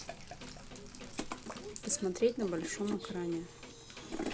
посмотреть на большом экране